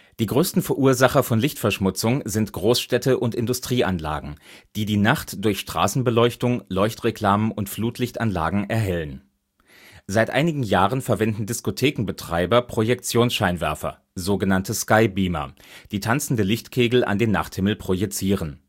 Die größten Verursacher von Lichtverschmutzung sind Großstädte und Industrieanlagen, die die Nacht durch Straßenbeleuchtung, Leuchtreklamen und Flutlichtanlagen erhellen. Seit einigen Jahren verwenden Diskothekenbetreiber Projektionsscheinwerfer, sogenannte Skybeamer, die tanzende Lichtkegel an den Nachthimmel projizieren